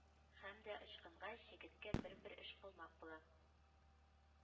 Һәм дә ычкынгач, җегеткә бер-бер эш кылмак була.